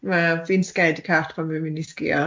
wel fi'n scardy cat pan fi'n mynd i sgïo.